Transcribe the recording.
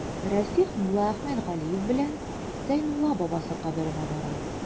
Расих Муллаәхмәт Галиев белән Зәйнулла бабасы каберенә бара.